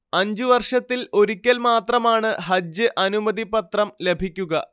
അഞ്ചു വർഷത്തിൽ ഒരിക്കൽ മാത്രമാണ് ഹജ്ജ് അനുമതി പത്രം ലഭിക്കുക